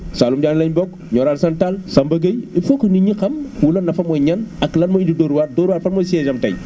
Saalum Diané lañ bokk * Samba Gueye il faut que nit ñi xam Wula Nafa mooy ñan ak lan moo indi Dóor waar Dóor waar fan mooy siège am tey